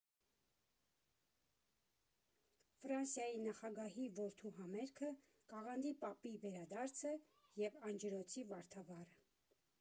Ֆրանսիայի նախագահի որդու համերգը, Կաղանդի պապի վերադարձը և անջրոցի Վարդավառը.